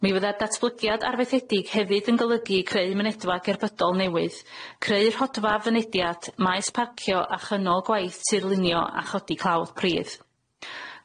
Mi fyddai datblygiad arfethiedig hefyd yn golygu creu mynedfa gerbydol newydd creu rhodfa fynediad maes parcio a chynnol gwaith tirlunio a chodi clawdd pridd.